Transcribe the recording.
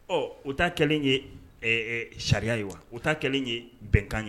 Ɔ u ta kɛlen ye sariya ye wa u ta kɛlen ye bɛnkan ye